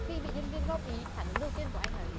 khi bị nhân viên góp ý phản ứng đầu tiên của anh là gì